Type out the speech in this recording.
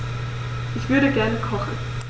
Ich würde gerne kochen.